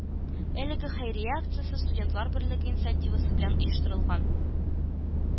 Әлеге хәйрия акциясе Студентлар берлеге инициативасы белән оештырылган